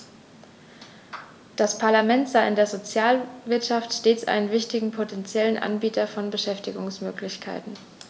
Das Parlament sah in der Sozialwirtschaft stets einen wichtigen potentiellen Anbieter von Beschäftigungsmöglichkeiten.